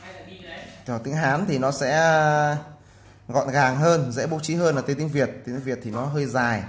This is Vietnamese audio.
tiếng hán thì nó sẽ gọn gàng hơn và dễ bố trí hơn so với tiếng việt tiếng việt thì nó hơi dài